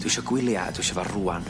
Dwi isio gwylia a dwi isio fo rŵan.